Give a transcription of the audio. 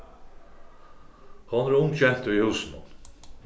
hon er ung genta í húsinum